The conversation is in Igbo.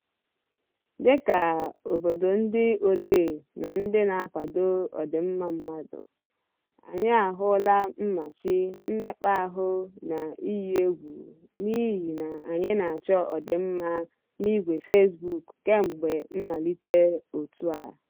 Dịka obodo ndị odee na ndị na-akwado ọdịmma mmadụ, anyị ahụla mmachi, mmekpaahụ na iyi egwu n'ihi na anyị na-achọ ọdịmma na Facebook kemgbe mmalite òtù a.